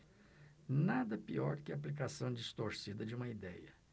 nada pior que a aplicação distorcida de uma idéia